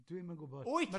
Dwi'm yn gwbod. Wyt...